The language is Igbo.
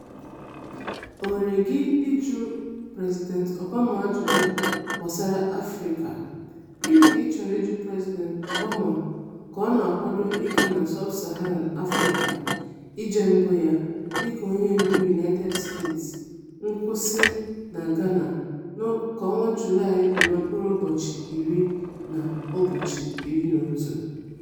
Ohere gị ịjụ President Obama ajụjụ gbasara Afrịka: Gịnị ka ị chọrọ ịjụ President Obama ka ọ na-akwado ịga na Sub-Saharan Africa ije mbụ ya dịka onye ndu United States - nkwụsị na Ghana na 10-11 Julaị?